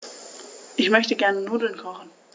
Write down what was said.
Ich möchte gerne Nudeln kochen.